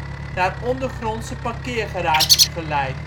ondergrondse parkeergarages geleid